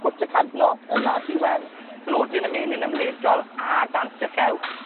Cwt y Cadno, y Ladi Wen, Blodyn Ymenyn Ymledol, a Dant y Llew.